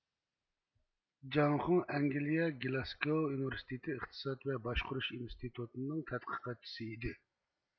جاڭ خۇڭ ئەنگلىيە گىلاسگوۋ ئۇنىۋېرسىتېتى ئىقتىساد ۋە باشقۇرۇش ئىنستىتۇتىنىڭ تەتقىقاتچىسى ئىدى